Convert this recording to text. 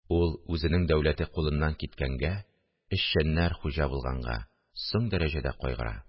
Ул үзенең дәүләте кулыннан киткәнгә, эшчәннәр хуҗа булганга соң дәрәҗәдә кайгыра